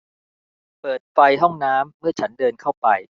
เปิดไฟห้องน้ำเมื่อฉันเดินเข้าไป